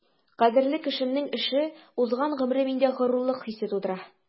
Кадерле кешемнең эше, узган гомере миндә горурлык хисе тудыра.